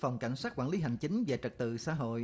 phòng cảnh sát quản lí hành chính về trật tự xã hội